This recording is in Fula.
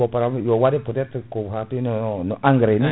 bo pa* yo waɗe peut être ko ha tino no engrais ni